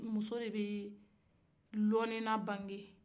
muso de bɛ lonina bange